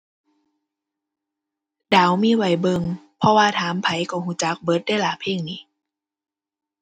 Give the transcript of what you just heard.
ดาวมีไว้เบิ่ง เพราะว่าถามไผก็รู้จักเบิดเดะล่ะ เพลงนี้